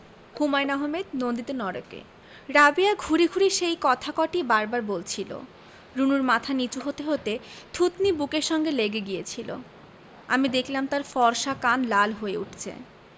হুমায়ুন আহমেদ নন্দিত নরকে রাবেয়া ঘুরে ঘুরে সেই কথা কটিই বার বার বলছিলো রুনুর মাথা নীচু হতে হতে থুতনি বুকের সঙ্গে লেগে গিয়েছিলো আমি দেখলাম তার ফর্সা কান লাল হয়ে উঠছে